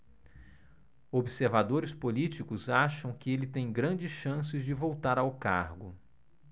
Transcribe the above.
observadores políticos acham que ele tem grandes chances de voltar ao cargo